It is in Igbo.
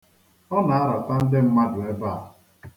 Ọ na-arata ndị mmadu ebe a.